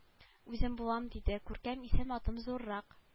Үзем булам диде күркә исем-атым зуррак